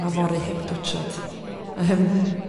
ma fory heb i dwtsiad ie yym